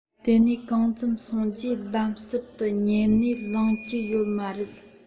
དེ ནས གང ཙམ སོང རྗེས ལམ ཟུར དུ ཉལ ནས ལངས ཀྱི ཡོད མ རེད